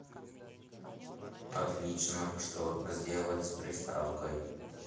отлично что сделать с приставкой